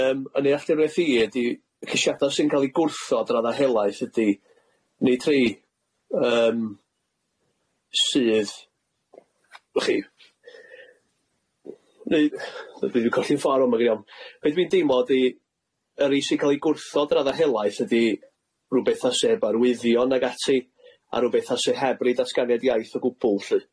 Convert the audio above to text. Yym yn nealldwriaeth i ydi ceisiada sy'n ca'l ei gwrthod radda helaeth ydi neu' tri yym, sydd wch chi, neu' dwi'n colli'n ffor yma genai ofn, be' dwi'n deimlo ydi yri sy'n ca'l ei gwrthod radda helaeth ydi rwbeth a sy eb arwyddion ag ati a rwbeth a sy heb roi datganiad iaith o gwbwl lly.